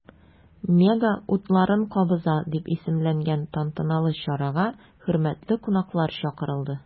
“мега утларын кабыза” дип исемләнгән тантаналы чарага хөрмәтле кунаклар чакырылды.